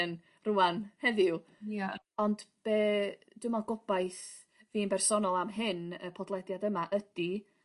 yn rŵan heddiw ie ond be' dwi me'wl gobaith fi 'n bersonol am hyn y podlediad yma ydi